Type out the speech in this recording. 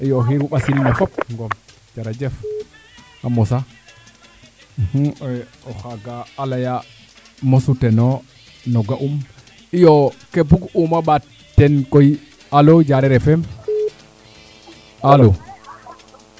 iyo o xiru ɓasil ne fop Ngom jerejef a mosa o xaaga a leya mosu teno no ga um iyo ko bug uuma ɓaat teen koy alo Diarer FM alo